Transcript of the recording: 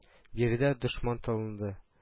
Биредә, дошман тылында